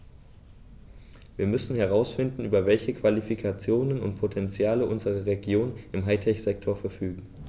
Wir müssen herausfinden, über welche Qualifikationen und Potentiale unsere Regionen im High-Tech-Sektor verfügen.